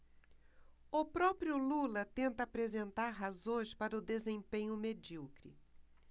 o próprio lula tenta apresentar razões para o desempenho medíocre